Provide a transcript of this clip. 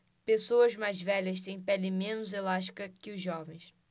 pessoas mais velhas têm pele menos elástica que os jovens